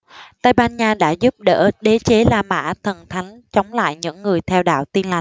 tây ban nha đã giúp đỡ đế chế la mã thần thánh chống lại những người theo đạo tin lành